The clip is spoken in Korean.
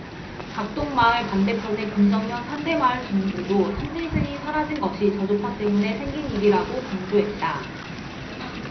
각동마을 반대편의 금정면 산대마을 주민들도 산짐승이 사라진 것이 저주파 때문에 생긴 일이라고 강조했다